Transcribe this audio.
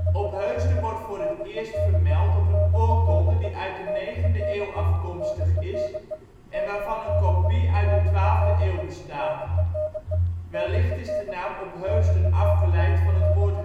Opheusden wordt voor het eerst vermeld op een oorkonde die uit de 9e eeuw afkomstig is en waarvan een kopie uit de 12e eeuw bestaat. Wellicht is de naam Opheusden afgeleid van het woord